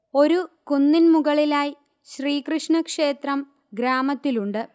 ഒരു കുന്നിൻ മുകളിലായ് ശ്രീകൃഷ്ണ ക്ഷേത്രം ഗ്രാമത്തിലുണ്ട്